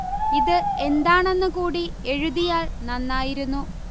ഇത് എന്താണെന്ന് കൂടി എഴുതിയാല് നന്നായിരുന്നു